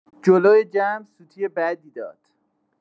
جلوی جمع سوتی بدی داد.